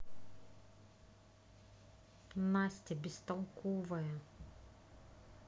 настя бестолковая